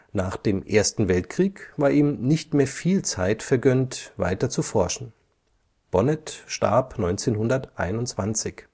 Nach dem Ersten Weltkrieg war ihm nicht mehr viel Zeit vergönnt, weiter zu forschen. Bonnet starb 1921